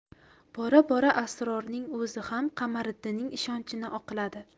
bora bora asrorning o'zi xam qamariddinning ishonchini oqladi